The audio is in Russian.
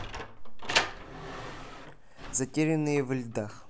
затерянные в льдах